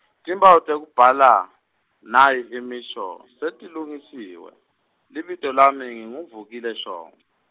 timphawu tekubhala, nayi imisho , setilungisiwe, libito lami nginguVukile Shong-.